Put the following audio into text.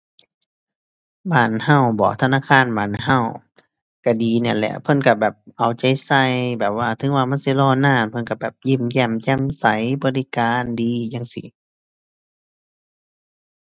บ้านเราบ่ ธนาคารบ้านเราเราดีนั่นแหละ เพิ่นเราแบบเอาใจใส่ แบบว่าถึงว่ามันสิรอนาน เพิ่นเราแบบยิ้มแย้มแจ่มใส บริการดีจั่งซี้